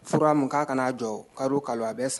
Fura min' ka kana'a jɔ ka ka a bɛ san